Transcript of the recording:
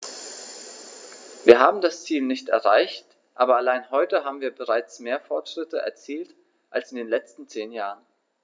Wir haben das Ziel nicht erreicht, aber allein heute haben wir bereits mehr Fortschritte erzielt als in den letzten zehn Jahren.